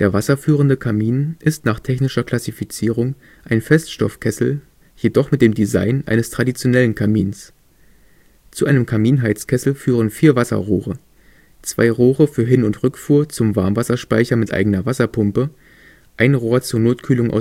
wasserführende Kamin ist nach technischer Klassifizierung ein Feststoffkessel, jedoch mit dem Design eines traditionellen Kamins. Zu einem Kaminheizkessel führen vier Wasserrohre: zwei Rohre für Hin - und Rückfuhr zum Warmwasserspeicher mit eigener Wasserpumpe, ein Rohr zur Notkühlung